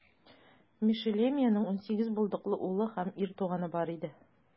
Мешелемиянең унсигез булдыклы углы һәм ир туганы бар иде.